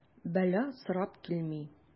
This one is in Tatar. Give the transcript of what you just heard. Бәла сорап килми.